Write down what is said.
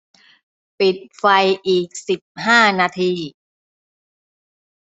ปิดไฟอีกสิบห้านาที